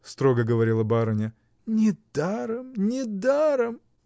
— строго говорила барыня, — недаром, недаром!